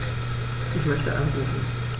Ich möchte anrufen.